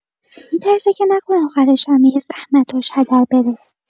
می‌ترسه که نکنه آخرش همه زحمتاش هدر بره.